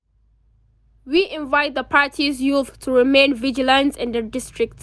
We invite the party's youth to remain vigilant in the districts.